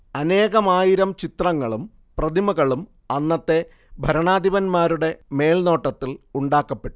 അനേകമായിരം ചിത്രങ്ങളും പ്രതിമകളും അന്നത്തെ ഭരണാധിപന്മാരുടെ മേൽനോട്ടത്തിൽ ഉണ്ടാക്കപ്പെട്ടു